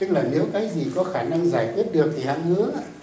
tức là nếu cái gì có khả năng giải quyết được thì hẵng hứa